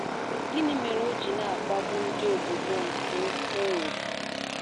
Gịnị mere o ji na-akpagbu ndị obodo nke ukwuu?